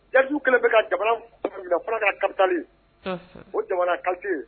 Djihadiste kɛlen bɛ ka jamana fan bɛɛ minɛ fo na kɛla capital ye. O jamana qualité